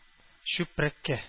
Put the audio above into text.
Чүпрәккә